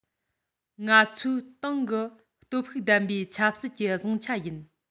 ང ཚོའི ཏང གི སྟོབས ཤུགས ལྡན པའི ཆབ སྲིད ཀྱི བཟང ཆ ཡིན